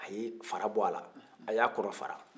a ye fara bɔ a la a y'a kɔnɔ fara